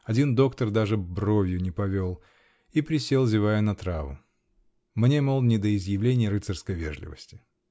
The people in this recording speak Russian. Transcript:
один доктор даже бровью не повел -- и присел, зевая, на траву: "Мне, мол, не до изъявлений рыцарской вежливости".